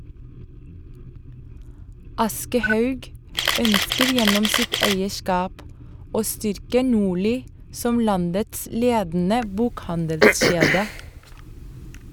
- Aschehoug ønsker gjennom sitt eierskap å styrke Norli som landets ledende bokhandelskjede.